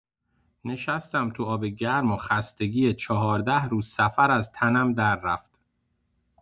نشستم تو آب‌گرم و خستگی چهارده روز سفر از تنم دررفت.